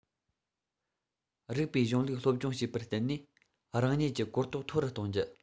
རིགས པའི གཞུང ལུགས སློབ སྦྱོང བྱས པར བརྟེན ནས རང ཉིད ཀྱི གོ རྟོགས མཐོ རུ གཏོང རྒྱུ